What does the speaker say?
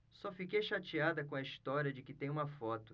só fiquei chateada com a história de que tem uma foto